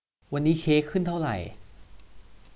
วันนี้เค้กขึ้นเท่าไหร่